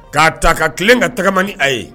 K'a ta ka tilen ka tagamani ni a ye